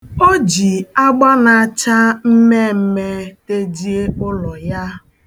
O ji agba na-acha mmeemmee tejie ụlọ ya.